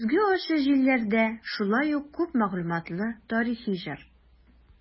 "көзге ачы җилләрдә" шулай ук күп мәгълүматлы тарихи җыр.